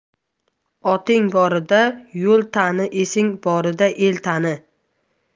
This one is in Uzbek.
oting borida yo'l tani esing borida el tani